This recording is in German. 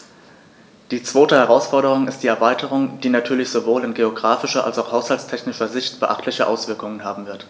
Die zweite Herausforderung ist die Erweiterung, die natürlich sowohl in geographischer als auch haushaltstechnischer Sicht beachtliche Auswirkungen haben wird.